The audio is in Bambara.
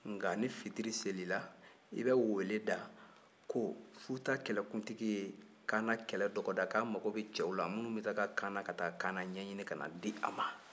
nka ni fitiri selila i bɛ weele da ko futa kɛlɛkuntigi ye kaana kɛlɛ dɔgɔda ko a mago bɛ cɛw la minnu bɛ taa kaana ka taa kaana ɲɛɲinin ka na di a ma